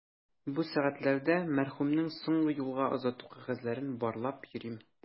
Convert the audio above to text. Бу сәгатьләрдә мәрхүмнең соңгы юлга озату кәгазьләрен барлап йөрим.